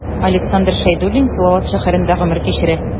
Александр Шәйдуллин Салават шәһәрендә гомер кичерә.